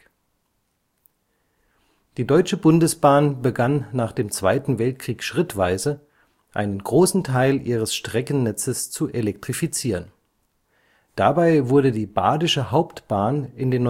Die Deutsche Bundesbahn begann nach dem Zweiten Weltkrieg schrittweise, einen großen Teil ihres Streckennetzes zu elektrifizieren. Dabei wurde die Badische Hauptbahn in den